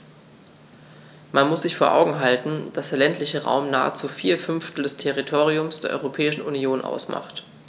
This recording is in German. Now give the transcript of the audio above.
Man muss sich vor Augen halten, dass der ländliche Raum nahezu vier Fünftel des Territoriums der Europäischen Union ausmacht.